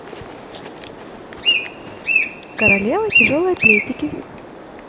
королева тяжелой атлетики